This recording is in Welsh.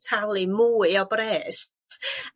talu mwy o bres